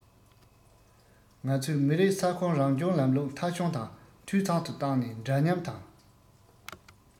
ང ཚོས མི རིགས ས ཁོངས རང སྐྱོང ལམ ལུགས མཐའ འཁྱོངས དང འཐུས ཚང དུ བཏང ནས འདྲ མཉམ དང